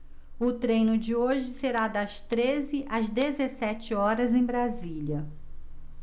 o treino de hoje será das treze às dezessete horas em brasília